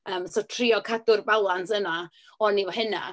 Yym so, trio cadw'r balans yna o'n i efo hynna.